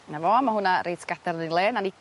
na fo ma' hwnna reit gadarn yn 'i le 'na ni